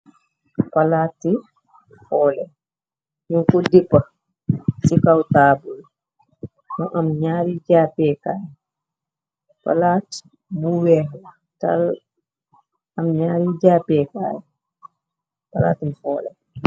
ñu ku dippa ci kawtaabul mu am ñaari jaapekaay palaat bu weex tal am ñaari jakpalaatin foole